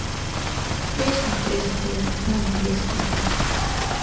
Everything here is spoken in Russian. песня присциллы на английском